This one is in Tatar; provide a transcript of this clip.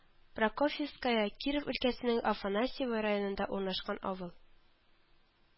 Прокопьевская Киров өлкәсенең Афанасьево районында урнашкан авыл